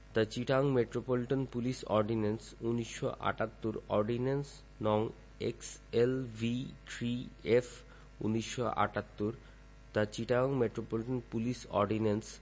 The Chittagong metropolitan police ordinance ১৯৭৮ ordinance. নং X L V three of ১৯৭৮ the Chittagong metropolitan police ordinance